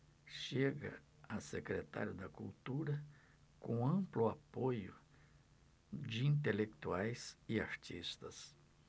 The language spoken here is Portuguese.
chega a secretário da cultura com amplo apoio de intelectuais e artistas